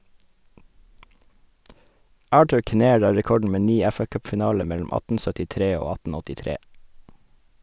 Arthur Kinnaird har rekorden med ni FA-cupfinaler mellom 1873 og 1883.